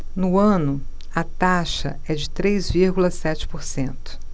no ano a taxa é de três vírgula sete por cento